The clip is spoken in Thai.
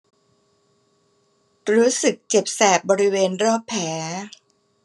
รู้สึกเจ็บแสบบริเวณรอบแผล